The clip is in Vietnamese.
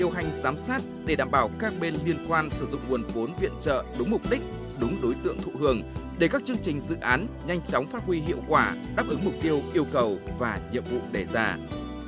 điều hành giám sát để đảm bảo các bên liên quan sử dụng nguồn vốn viện trợ đúng mục đích đúng đối tượng thụ hưởng để các chương trình dự án nhanh chóng phát huy hiệu quả đáp ứng mục tiêu yêu cầu và nhiệm vụ đề ra